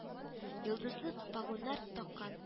Йолдызлы погоннар таккан